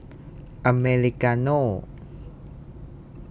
อเมริกาโน่